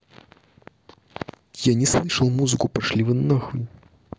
я не слышал музыку пошли вы нахуй